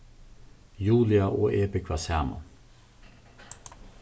julia og eg búgva saman